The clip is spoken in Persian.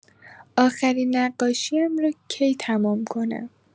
آخرین نقاشی‌ام را کی تمام کنم؟